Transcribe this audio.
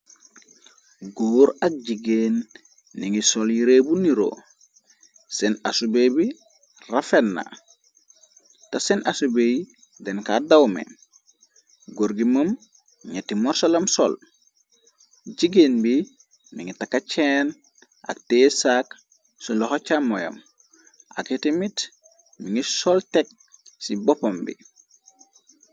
góor ak jigéen ni ngi sol yiréebu niro seen asube bi rafenna te seen asube yi denka at dawme gór gi mëm ñetti morsalam sol jigéen bi mi ngi taka ceen ak tee saak su loxo càmmoyam ak xiti mit mi ngi sol teg ci boppam bi